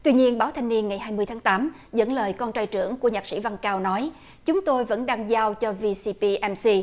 tuy nhiên báo thanh niên ngày hai mươi tháng tám dẫn lời con trai trưởng của nhạc sĩ văn cao nói chúng tôi vẫn đang giao cho vi xi pi em xi